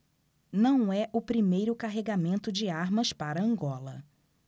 não é o primeiro carregamento de armas para angola